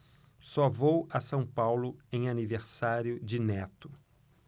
só vou a são paulo em aniversário de neto